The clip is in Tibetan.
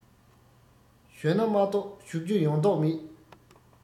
བྱོན ན མ གཏོགས བཞུགས རྒྱུ ཡོང མདོག མེད